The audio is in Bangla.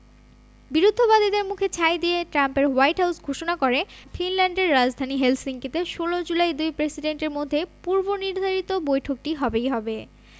বিরুদ্ধবাদীদের মুখে ছাই দিয়ে ট্রাম্পের হোয়াইট হাউস ঘোষণা করে ফিনল্যান্ডের রাজধানী হেলসিঙ্কিতে ১৬ জুলাই দুই প্রেসিডেন্টের মধ্যে পূর্বনির্ধারিত বৈঠকটি হবেই হবে